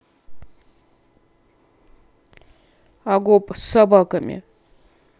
агоп с собаками